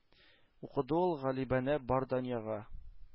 Укыды ул галибанә бар дөньяга.